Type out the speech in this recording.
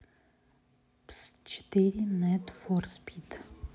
пс четыре нед фор спид